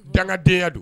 Dangadenyaya don